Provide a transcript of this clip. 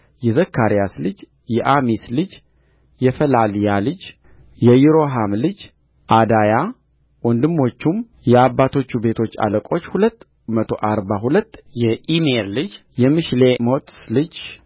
የዘካርያስ ልጅ የአማሲ ልጅ የፈላልያ ልጅ የይሮሐም ልጅ ዓዳያ ወንድሞቹም የአባቶቹ ቤቶች አለቆች ሁለት መቶ አርባ ሁለት የኢሜር ልጅ የምሺሌሞት ልጅ